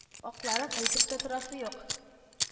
Акларын әйтеп тә торасы юк